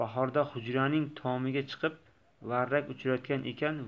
bahorda hujraning tomiga chiqib varrak uchirayotgan ekan